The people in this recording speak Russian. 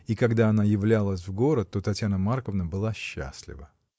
и когда она являлась в город, то Татьяна Марковна была счастлива.